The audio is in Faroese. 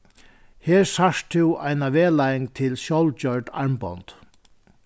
her sært tú eina vegleiðing til sjálvgjørd armbond